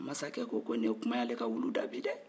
mansakɛ ko ko nin ye kuma y'ale ka wulu da bi dɛ